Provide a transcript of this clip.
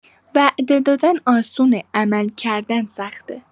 وعده دادن آسونه، عمل کردن سخته.